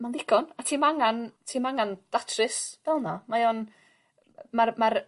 ma'n ddigon a ti'm angan ti'm angan datrys fel 'na mae o'n ma'r ma'r